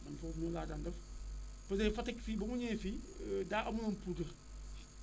man foofu noonu laa daan defpeut être Fatick fii ba ma ñëwee fii daa amulwoon poudre